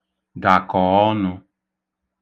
dàkọ̀ ọnụ̄